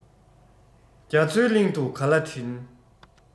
རྒྱ མཚོའི གླིང དུ ག ལ བྲིན